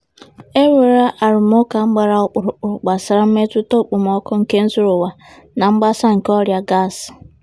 "E nwere arụmụka gbara ọkpụrụkpụ gbasara mmetụta okpomọkụ nke zuru ụwa na mgbasa nke ọrịa gasị.